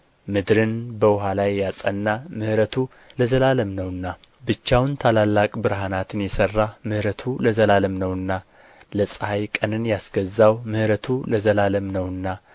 ምድርን በውኃ ላይ ያጸና ምሕረቱ ለዘላለም ነውና ብቻውን ታላላቅ ብርሃናትን የሠራ ምሕረቱ ለዘላለም ነውና ለፀሐይ ቀንን ያስገዛው ምሕረቱ ለዘላለም ነውና